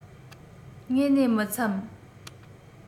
དངོས ནས མི འཚམ